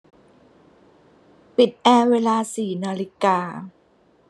ปิดแอร์เวลาสี่นาฬิกา